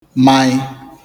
mai